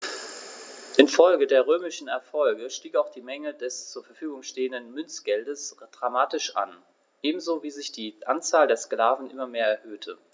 Infolge der römischen Erfolge stieg auch die Menge des zur Verfügung stehenden Münzgeldes dramatisch an, ebenso wie sich die Anzahl der Sklaven immer mehr erhöhte.